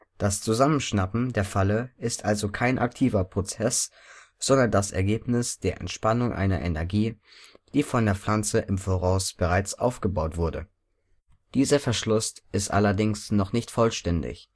Das Zusammenschnappen der Falle ist also kein aktiver Prozess, sondern das Ergebnis der Entspannung einer Energie, die von der Pflanze im voraus bereits aufgebaut wurde. Dieser Verschluss ist allerdings noch nicht vollständig